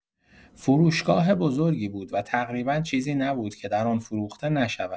فروشگاه بزرگی بود و تقریبا چیزی نبود که در آن فروخته نشود.